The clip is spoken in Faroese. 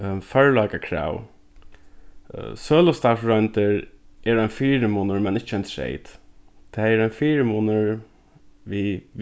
førleikakrav sølustarvsroyndir eru ein fyrimunur men ikki ein treyt tað er ein fyrimunur við